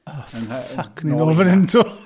Oh, ffyc, ni nôl fan hyn 'to.